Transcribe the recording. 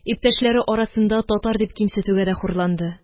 Иптәшләре арасында татар дип кимсетүгә дә хурланды